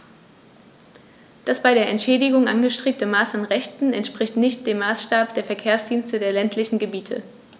Das bei der Entschädigung angestrebte Maß an Rechten entspricht nicht dem Maßstab der Verkehrsdienste der ländlichen Gebiete.